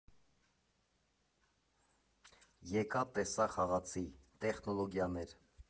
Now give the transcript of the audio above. ԵԿԱ ՏԵՍԱ ԽԱՂԱՑԻ Տեխնոլոգիաներ։